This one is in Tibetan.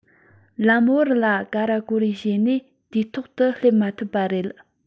ལམ བར ལ ཀ རེ ཀོ རེ བྱས ནས དུས ཐོག ཏུ སླེབས མ ཐུབ པ རེད